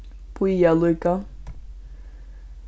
bíða líka